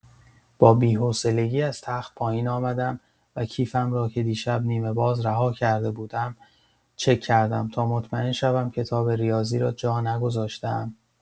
با بی‌حوصلگی از تخت پایین آمدم و کیفم را که دیشب نیمه‌باز رها کرده بودم، چک کردم تا مطمئن شوم کتاب ریاضی را جا نگذاشته‌ام.